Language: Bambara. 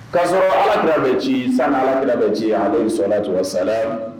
K'asɔrɔ alakira mɛ ci ,sani alakira bɛ ci aleyihi sɔlaatu wa salaam